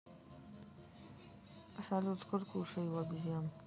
салют сколько ушей у обезьян